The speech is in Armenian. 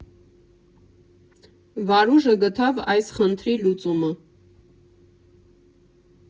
Վարուժը գտավ այս խնդրի լուծումը.